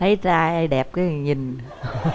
thấy trai hay đẹp cái nhìn